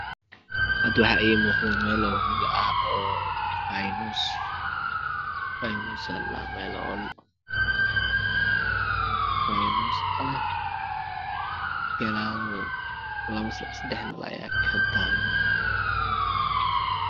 Waxaa iiga muuqda meel aymuus la dhaho gadaal sadex aa arki kartaa